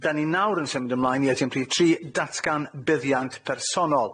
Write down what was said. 'Dan ni nawr yn symud ymlaen i eitem rhif tri, datgan buddiant personol.